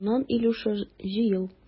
Шуннан, Илюша, җыел.